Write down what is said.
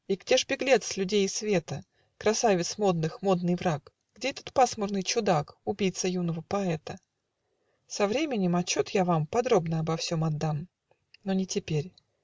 И где ж беглец людей и света, Красавиц модных модный враг, Где этот пасмурный чудак, Убийца юного поэта?" Со временем отчет я вам Подробно обо всем отдам, Но не теперь.